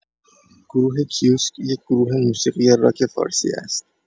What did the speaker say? گروه کیوسک یک گروه موسیقی راک فارسی است.